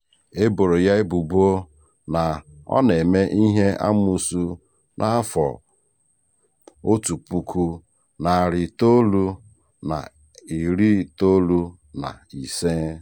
E boro ya ebubo na ọ na-eme ihe amoosu n'afọ 1995.